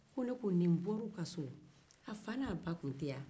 ne ko woo ni bɔra u ka so woo a fa n'a ba tun tɛ yen aa